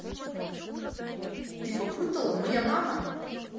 ты попутала моя мама